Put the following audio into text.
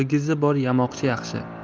bigizi bor yamoqchi yaxshi